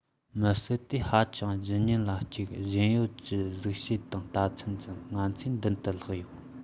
མི སྲིད དེ ཧ ཅང བརྗིད ཉམས ལ གཅིག གཞན ཡོད ཀྱི གཟུགས བྱད དང ལྟ ཚུལ འཛིན ང ཚོའི མདུན དུ ལྷགས ཡོད